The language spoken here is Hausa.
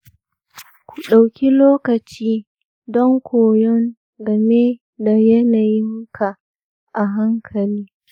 ku ɗauki lokaci don koyon game da yanayinka a hankali.